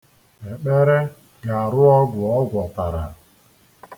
Ekpere ga-arụ ọgwụ ọ gwọtara.